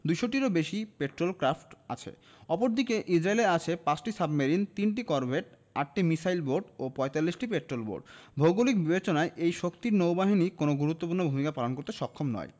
২০০ টিরও বেশি petrol craft আছে অপরদিকে ইসরায়েলের আছে ৫টি সাবমেরিন ৩টি করভেট ৮টি মিসাইল বোট ও ৪৫টি পেট্রল বোট ভৌগোলিক বিবেচনায় এই শক্তির নৌবাহিনী কোনো গুরুত্বপূর্ণ ভূমিকা পালন করতে সক্ষম নয়